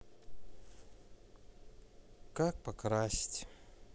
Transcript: как покрасить